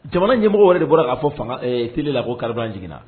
Jamana ɲɛmɔgɔ wɛrɛ de bɔra k'a fɔ t la ko kali jiginna